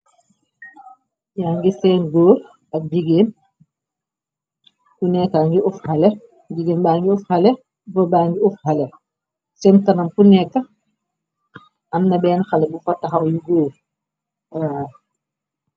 Yaa ngi seen góor ak jigéen ku nekka ngi uf xaleh, jigéen ba ngi uf xaleh gorr ba gi uf xaleh seen kanam ku nekka amna benna xaleh bu fotaxaw yu góor.